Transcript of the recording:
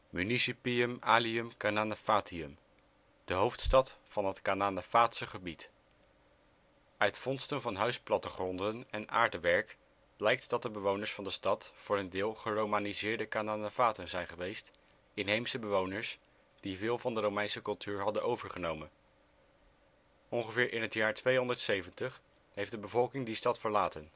Municipium Aelium Cananefatium, de hoofdstad van het Cananefaatse gebied. Uit vondsten van huisplattegronden en aardewerk blijkt dat de bewoners van de stad voor een deel geromaniseerde Cananefaten zijn geweest, inheemse bewoners die veel van de Romeinse cultuur hadden overgenomen. Ongeveer in het jaar 270 heeft de bevolking die stad verlaten